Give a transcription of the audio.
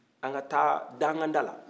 an ka taa dangada la